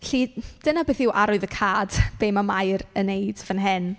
Felly dyna beth yw arwyddocad be ma' Mair yn wneud fan hyn.